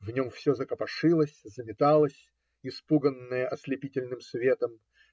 В нем все закопошилось, заметалось, испуганное ослепительным светом